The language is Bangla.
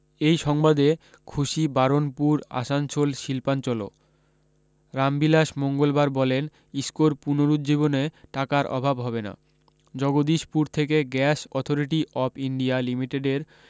এই সংবাদে খুশি বারনপুর আসানসোল শিল্পাঞ্চলও রামবিলাস মঙ্গলবার বলেন ইসকোর পুনরুজ্জীবনে টাকার অভাব হবে না জগদীশপুর থেকে গ্যাস অথরিটি অফ ইন্ডিয়া লিমিটেডের